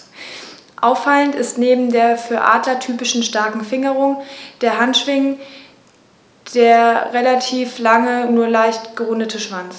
Auffallend ist neben der für Adler typischen starken Fingerung der Handschwingen der relativ lange, nur leicht gerundete Schwanz.